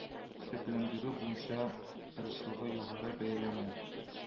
Төзекләндерү буенча тырышлыгы югары бәяләнә”